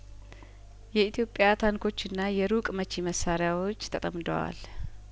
የኢትዮጵያ ታንኮችና የሩቅ መቺ መሳሪያዎች ተጠም ደዋል